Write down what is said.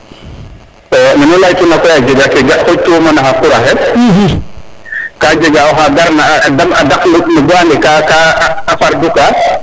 nunu leytuna koy a jega ke ga ma xucuma naxa quraxeka jega oxa garna a dam a ndaklu bo ande ka ka fardu ka